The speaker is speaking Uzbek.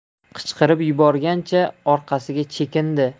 qichqirib yuborgancha orqasiga chekindi